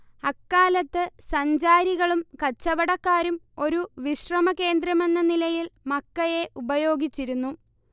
അക്കാലത്ത് സഞ്ചാരികളും കച്ചവടക്കാരും ഒരു വിശ്രമ കേന്ദ്രമെന്ന നിലയിൽ മക്കയെ ഉപയോഗിച്ചിരുന്നു